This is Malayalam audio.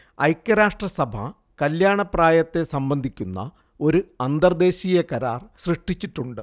ഐക്യരാഷട്രസഭ കല്യാണപ്രായത്തെ സംബന്ധിക്കുന്ന ഒരു അന്തർദേശീയ കരാർ സൃഷ്ടിച്ചിട്ടുണ്ട്